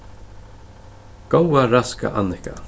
góða raska annika